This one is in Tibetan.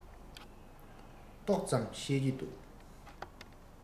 ཏོག ཚམ ཤེས ཀྱི འདུག